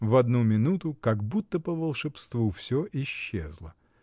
В одну минуту, как будто по волшебству, всё исчезло.